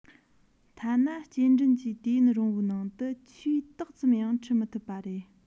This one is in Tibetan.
ཐ ན སྐྱེལ འདྲེན གྱི དུས ཡུན རིང བོའི ནང དུ ཆུས ཏོག ཙམ ཡང འཁྲུད མི ཐུབ པ རེད